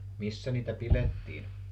missä niitä pidettiin